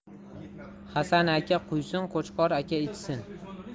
hasan aka quysin qo'chqor aka ichsin